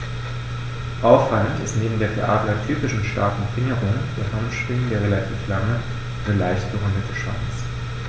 Auffallend ist neben der für Adler typischen starken Fingerung der Handschwingen der relativ lange, nur leicht gerundete Schwanz.